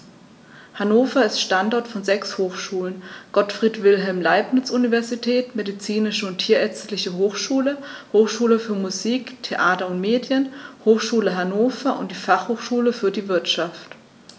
Hannover ist Standort von sechs Hochschulen: Gottfried Wilhelm Leibniz Universität, Medizinische und Tierärztliche Hochschule, Hochschule für Musik, Theater und Medien, Hochschule Hannover und die Fachhochschule für die Wirtschaft.